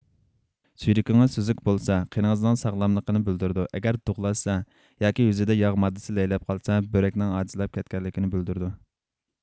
سۈيدۈكىڭىز سۈزۈك بولسا قېنىڭىزنىڭ ساغلاملىقنى بىلدۈرىدۇ ئەگەر دۇغلاشسا ياكى يۈزىدە ياغ ماددىسى لەيلەپ قالسا بۆرەكنىڭ ئاجىزلاپ كەتكەنلىكىنى بىلدۈرىدۇ